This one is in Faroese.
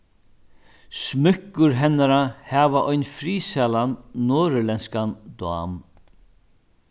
smúkkur hennara hava ein friðsælan norðurlendskan dám